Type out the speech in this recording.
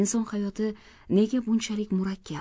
inson hayoti nega bunchalik murakkab